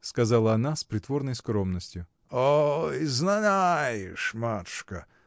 — сказала она с притворной скромностью. — Ой, знаешь, матушка!